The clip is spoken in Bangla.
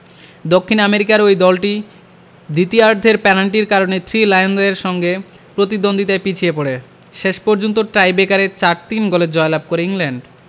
দক্ষিণ আমেরিকার ওই দলটি দ্বিতীয়ার্ধের পেনাল্টির কারণে থ্রি লায়নদের সঙ্গে প্রতিদ্বন্দ্বিতায় পিছিয়ে পড়ে শেষ পর্যন্ত টাইট্রেকারে ৪ ৩ গোলে জয়লাভ করে ইংল্যান্ড